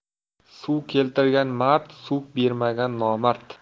suv keltirgan mard suv bermagan nomard